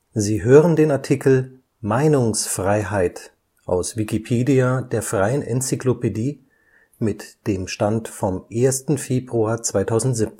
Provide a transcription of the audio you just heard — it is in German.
Sie hören den Artikel Meinungsfreiheit, aus Wikipedia, der freien Enzyklopädie. Mit dem Stand vom Der